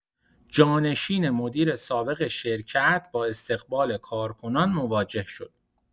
جانشین مدیر سابق شرکت با استقبال کارکنان مواجه شد.